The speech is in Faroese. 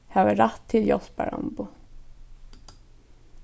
hava rætt til hjálparamboð